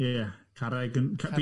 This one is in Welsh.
Ie, carreg yn carreg.